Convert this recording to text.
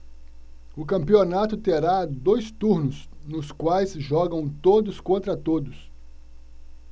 o campeonato terá dois turnos nos quais jogam todos contra todos